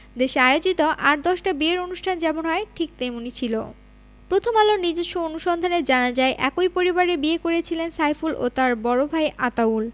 দেশে আয়োজিত আর দশটা বিয়ের অনুষ্ঠান যেমন হয় ঠিক তেমনি ছিল প্রথম আলোর নিজস্ব অনুসন্ধানে জানা যায় একই পরিবারে বিয়ে করেছিলেন সাইফুল ও তাঁর বড় ভাই আতাউল